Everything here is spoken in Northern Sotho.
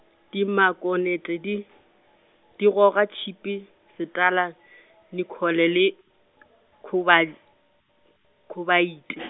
dimaknete di , di goga tšhipi, setala , nikhele le, kolbal-, khobaite-.